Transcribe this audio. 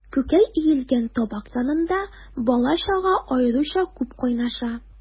Күкәй өелгән табак янында бала-чага аеруча күп кайнаша.